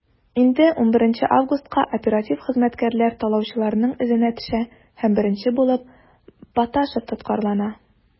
Инде 11 августка оператив хезмәткәрләр талаучыларның эзенә төшә һәм беренче булып Баташев тоткарлана.